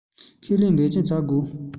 ཁས ལེན འབད བརྩོན བྱ དགོས